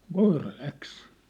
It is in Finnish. no koira lähti